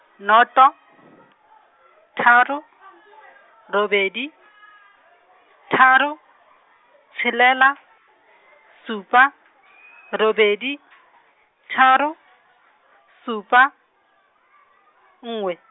noto, tharo , robedi, tharo, tshelela , supa, robedi , tharo, supa, nngwe.